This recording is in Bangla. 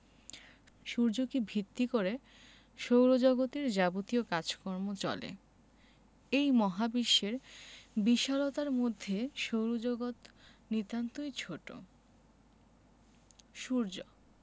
সূর্যকে ভিত্তি করে সৌরজগতের যাবতীয় কাজকর্ম চলে এই মহাবিশ্বের বিশালতার মধ্যে সৌরজগৎ নিতান্তই ছোট সূর্যঃ